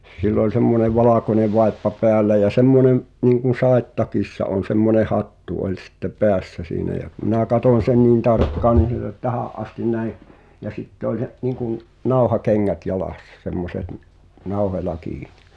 sillä oli semmoinen valkoinen vaippa päällä ja semmoinen niin kuin sadetakissa on semmoinen hattu oli sitten päässä siinä ja kun minä katsoin sen niin tarkkaan niin sillä oli tähän asti näin ja sitten oli se niin kuin nauhakengät jalassa semmoiset - nauhoilla kiinni